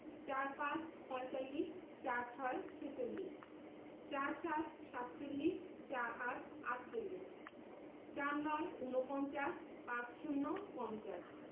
৪৫ - পঁয়তাল্লিশ ৪৬ - ছেচল্লিশ ৪৭ - সাতচল্লিশ ৪৮ -আটচল্লিশ ৪৯ – উনপঞ্চাশ ৫০ - পঞ্চাশ